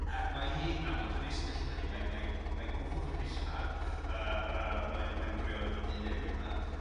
Ac mae hi yn amlwg, dyna ei sefyllfa hi, mae mae mae gŵr wedi lladd a a mae mae'n briod efo'r dyn newydd 'ma